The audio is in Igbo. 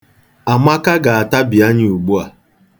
Amaka ga-atabi anya ugbua.